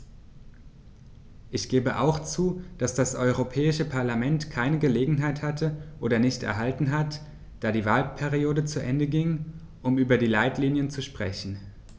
Ich gebe auch zu, dass das Europäische Parlament keine Gelegenheit hatte - oder nicht erhalten hat, da die Wahlperiode zu Ende ging -, um über die Leitlinien zu sprechen.